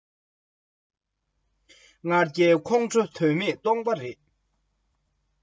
ཁོང ཁྲོ དབང དུ འདུས ན མཁས པའི རྟགས